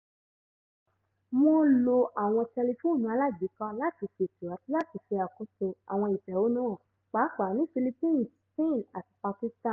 Wọ́n lo àwọn tẹlifóònù alágbèéká láti ṣètò àti láti ṣe àkóso àwọn ìfẹ̀hónúhàn – pàápàá ní Philippines, Spain àti Pakistan.